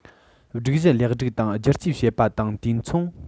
སྒྲིག གཞི ལེགས སྒྲིག དང བསྒྱུར བཅོས བྱེད པ དང དུས མཚུངས